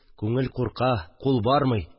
Күңел курка!.. Кул бармый